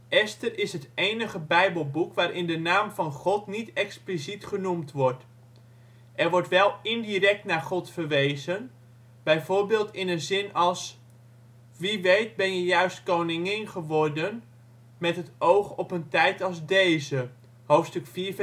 Esther is het enige Bijbelboek waarin de naam van God niet expliciet genoemd wordt. Er wordt wel indirect naar God verwezen, bijvoorbeeld in een zin als: " Wie weet ben je juist koningin geworden met het oog op een tijd als deze " (hoofdstuk 4:14